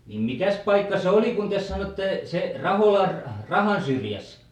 niin mikäs paikka se oli kun te sanoitte se Raholan rahan syrjässä